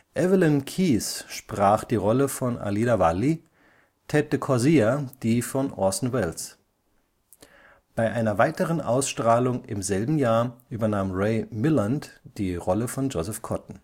Evelyn Keyes sprach die Rolle von Alida Valli, Ted de Corsia die von Orson Welles. Bei einer weiteren Ausstrahlung im selben Jahr übernahm Ray Milland die Rolle von Joseph Cotten